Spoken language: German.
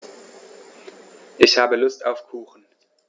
Ich habe Lust auf Kuchen.